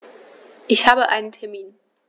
Ich habe einen Termin.